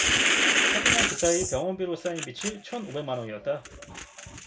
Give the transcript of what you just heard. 하지만 그 사이 병원비로 쌓인 빚이 천 오백 만원이었다